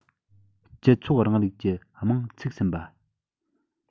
སྤྱི ཚོགས རིང ལུགས ཀྱི རྨང ཚུགས ཟིན པ